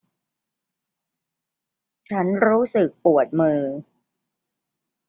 ฉันรู้สึกปวดมือ